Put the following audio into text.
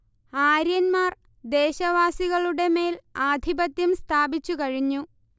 ആര്യന്മാർ ദേശവാസികളുടെമേൽ ആധിപത്യം സ്ഥാപിച്ചു കഴിഞ്ഞു